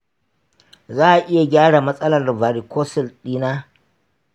za a iya gyara matsalar varicocele ɗina?